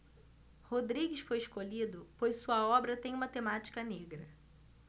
rodrigues foi escolhido pois sua obra tem uma temática negra